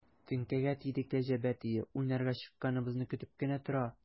Теңкәгә тиде кәҗә бәтие, уйнарга чыкканыбызны көтеп кенә тора.